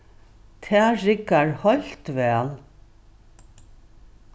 tað riggar heilt væl